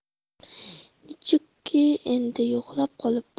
nechukki endi yo'qlab qolibdi